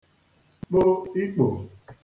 kpo ikpo